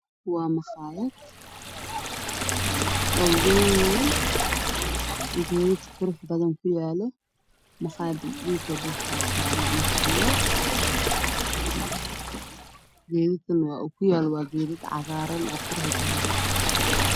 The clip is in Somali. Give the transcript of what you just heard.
Waa maqaayad waxaa ii muuqdo geedo cagaaran dhulka waa qaxwi bka maqaayadda waa qaxwi